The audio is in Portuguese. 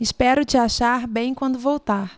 espero te achar bem quando voltar